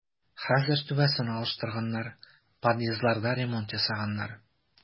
Хәзер түбәсен алыштырганнар, подъездларда ремонт ясаганнар.